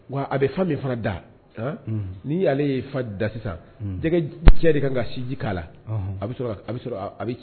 Wa a bɛ fan min fana da . Ni ale ye fan da sisan jɛgɛ cɛ de kan ka sinji ka la . A bi sɔrɔ ka